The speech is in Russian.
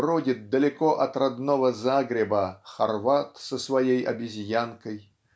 бродит далеко от родного Загреба хорват со своей обезьянкой